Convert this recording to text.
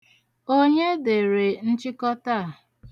Onye dere nchịkọta a?